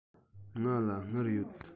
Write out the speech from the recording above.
ང ལ དངུལ ཡོད